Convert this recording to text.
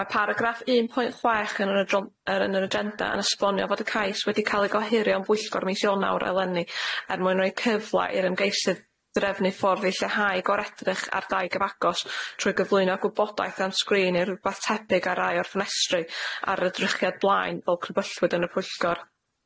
Mae paragraff un pwynt chwech yn yr adron- yr yn yr agenda yn esbonio fod y cais wedi ca'l ei gohirio yn bwyllgor mis Ionawr eleni er mwyn roi cyfla i'r ymgeisydd drefnu ffordd i lleihau goredrych ar dai gyfagos trwy gyflwyno gwybodaeth ar sgrin i rwbath tebyg ar rai o'r ffenestri ar y drychiad blaen fel crebyllwyd yn y pwyllgor.